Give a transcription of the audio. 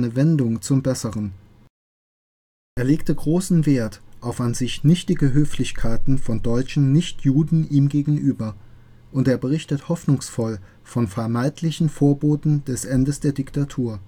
Wendung zum Besseren: Er legte großen Wert auf an sich nichtige Höflichkeiten von deutschen Nicht-Juden ihm gegenüber, und er berichtet hoffnungsvoll von (vermeintlichen) Vorboten des Endes der Diktatur